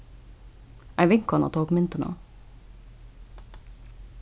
ein vinkona tók myndina